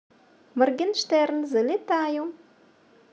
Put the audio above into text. моргенштерн залетаю